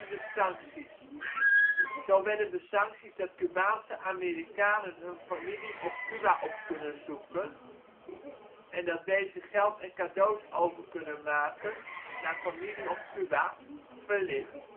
Zo werden de sancties dat Cubaanse Amerikanen hun familie op Cuba op kunnen zoeken, en dat deze geld en cadeaus over kunnen maken naar familie op Cuba, verlicht